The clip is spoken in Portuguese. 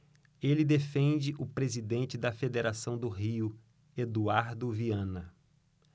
ele defende o presidente da federação do rio eduardo viana